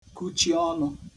kuchi ọnụ